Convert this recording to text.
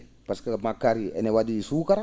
par ce que makkaari ene wa?i suukara